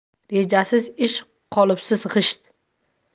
rejasiz ish qolipsiz g'isht